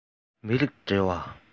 མི རིགས འབྲེལ བ